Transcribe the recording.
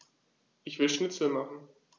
Ich will Schnitzel machen.